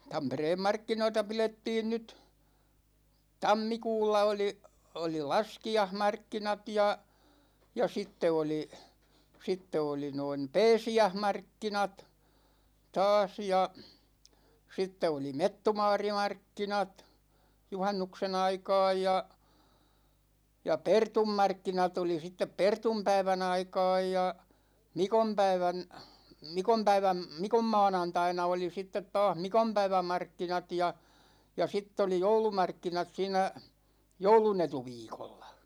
Tampereen markkinoita pidettiin nyt - oli oli laskiaismarkkinat ja ja sitten oli sitten oli noin pääsiäismarkkinat taas ja sitten oli mettumaarimarkkinat juhannuksen aikaan ja ja pertunmarkkinat oli sitten pertunpäivän aikaan ja mikonpäivän mikonpäivän mikonmaanantaina oli sitten taas mikonpäivämarkkinat ja ja sitten oli joulumarkkinat siinä joulunetuviikolla